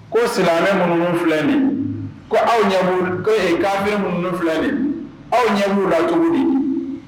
Ko silamɛ ŋunu filɛlen ko aw ɲɛ ko'an bɛ ŋunu filɛ nin aw ɲɛ b'u la cogo di